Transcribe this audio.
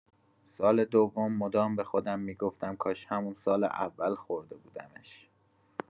سال دوم مدام به خودم می‌گفتم کاش همون سال اول خورده بودمش.